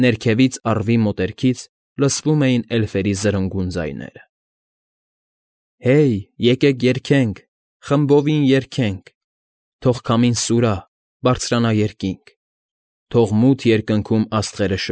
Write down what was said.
Ներքևից, առվի մոտերքից լսվում էին էլֆերի զրնգուն ձայները. Հե՜յ, եկեք երգենք, խմբովին երգենք, Թող քամին սուրա, բարձրանա երկինք, Թող մուգ երկնքում աստղերը։